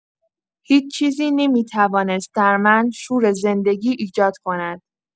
هیچ‌چیزی نمی‌توانست در من شور زندگی ایجاد کند.